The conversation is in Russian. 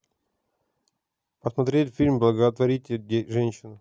посмотреть фильм благословите женщину